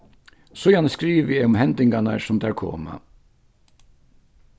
síðan skrivi eg um hendingarnar sum tær koma